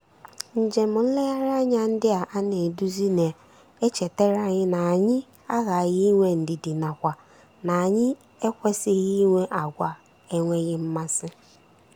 Njem nlegharị anya ndị a a na-eduzi na-echetara anyị na anyị aghaghị inwe ndidi nakwa na anyị ekwesịghị inwe àgwà enweghị mmasị.